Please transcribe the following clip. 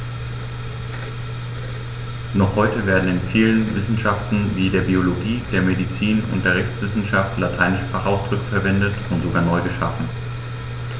Noch heute werden in vielen Wissenschaften wie der Biologie, der Medizin und der Rechtswissenschaft lateinische Fachausdrücke verwendet und sogar neu geschaffen.